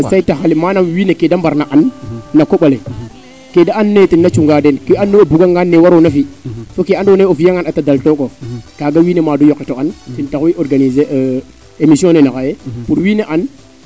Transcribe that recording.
a say taxale manam wiin we ke de mbarna an na koɓale ke de anaye tena cunga den ke ando naye o buga ngaan ne waroona fi fo kee ando naye o fiya ngaan a ndata dal tookof kaaga wiin we maadu yoqito an ten taxu organiser emission nene xaye pour wiin we an